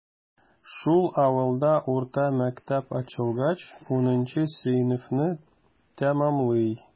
Шул авылда урта мәктәп ачылгач, унынчы сыйныфны тәмамлый.